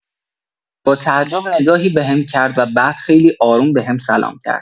با تعجب نگاهی بهم کرد و بعد خیلی آروم بهم سلام کرد.